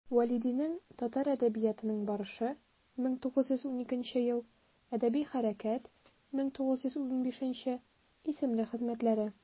Вәлидинең «Татар әдәбиятының барышы» (1912), «Әдәби хәрәкәт» (1915) исемле хезмәтләре.